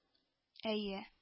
— әйе